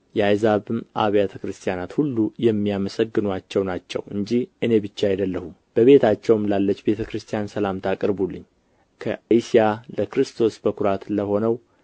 የአሕዛብም አብያተ ክርስቲያናት ሁሉ የሚያመሰግኑአቸው ናቸው እንጂ እኔ ብቻ አይደለሁም በቤታቸውም ላለች ቤተ ክርስቲያን ሰላምታ አቅርቡልኝ ከእስያ ለክርስቶስ በኵራት ለሆነው